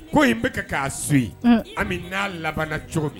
Ko in bɛka kɛ k'a so yen an bɛ n'a labanana cogo min